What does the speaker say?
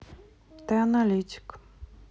ты аналитик